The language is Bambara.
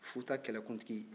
futa kɛlɛkuntigi